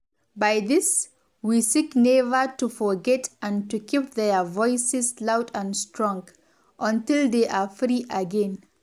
By this, we seek never to forget and to keep their voices loud and strong, until they are free again.